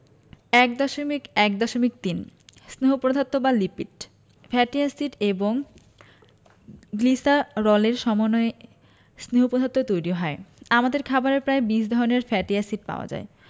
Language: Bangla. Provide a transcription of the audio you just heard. ১.১.৩ স্নেহ পদার্থ বা লিপিড ফ্যাটি এসিড এবং গ্লিসারলের সমন্বয়ে স্নেহ পদার্থ তৈরি হয় আমাদের খাবারে প্রায় ২০ ধরনের ফ্যাটি এসিড পাওয়া যায়